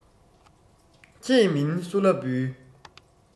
ཁྱེད མིན སུ ལ འབུལ